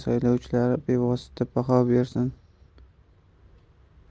saylovchilari bevosita baho bersin